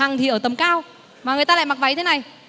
hằng thì ở tầng cao mà người ta lại mặc váy thế này